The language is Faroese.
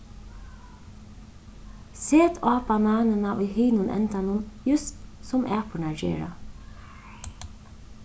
set á bananina í hinum endanum júst sum apurnar gera